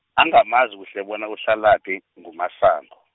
angamazi kuhle bona uhlalaphi, nguMasango.